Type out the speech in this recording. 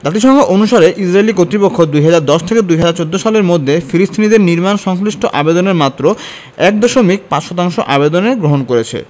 জাতিসংঘ অনুসারে ইসরাইলি কর্তৃপক্ষ ২০১০ থেকে ২০১৪ সালের মধ্যে ফিলিস্তিনিদের নির্মাণ সংশ্লিষ্ট আবেদনের মাত্র ১.৫ শতাংশ আবেদনের গ্রহণ করেছে